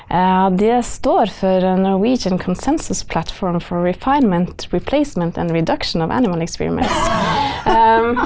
ja det står for .